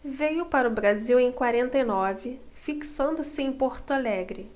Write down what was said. veio para o brasil em quarenta e nove fixando-se em porto alegre